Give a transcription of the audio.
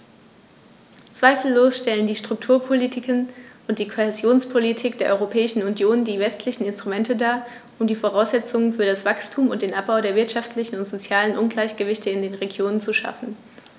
Zweifellos stellen die Strukturpolitiken und die Kohäsionspolitik der Europäischen Union die wesentlichen Instrumente dar, um die Voraussetzungen für das Wachstum und den Abbau der wirtschaftlichen und sozialen Ungleichgewichte in den Regionen zu schaffen.